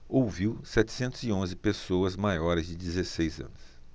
ouviu setecentos e onze pessoas maiores de dezesseis anos